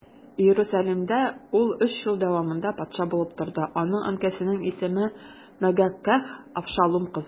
Иерусалимдә ул өч ел дәвамында патша булып торды, аның әнкәсенең исеме Мәгакәһ, Абшалум кызы.